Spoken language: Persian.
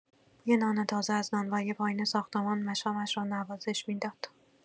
بوی نان تازه از نانوایی پایین ساختمان مشامش را نوازش می‌داد.